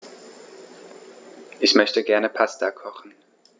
Ich möchte gerne Pasta kochen.